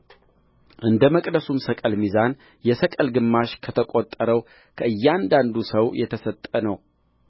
እንደ መቅደሱ ሰቅል ሚዛን የሰቅል ግማሽ ከተቈጠረው ከእያንዳንዱ ሰው የተሰጠ ነው